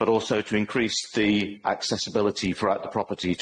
but also to increase the accessibility throughout the property